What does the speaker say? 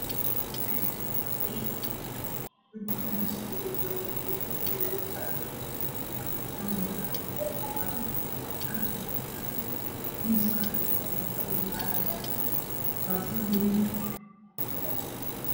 Meshani waa hool dad badan isku imaaday gabdho io wilal waxeey aqrisanayaan war qado eey gacanta ku hayaan miis qaxwi ah ayeey warqad usaran tahay galasman gaduud ah